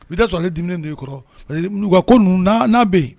I bɛi sɔrɔli dum de kɔrɔ ko bɛ yen